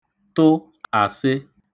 tụ àsị